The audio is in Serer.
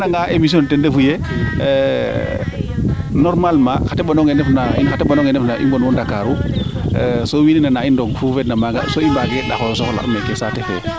parce que o nana nga emission ne ten refu yee normalement xa teɓanongaxe ndef na in xa teɓanongaxe ndef na i ,bon wo Ndakarou so wiin we nana in roog fuu feed na maga to i mbaage ndaxoyo soxla meeke saate fe